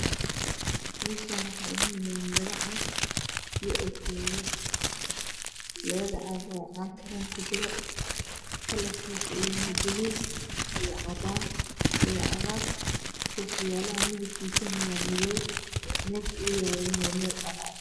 Meeshaan waxaa inoo yaalo labo caag ito okiyalo labada caag waa caag kareen ku jira kalarkiisa uu yahay buluug iyo cagaar okiyalaha midabkiisa waa madow meesha uu yaalana waa meel dhalaal